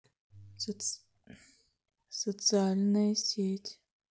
социальная сеть